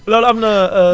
loolu am na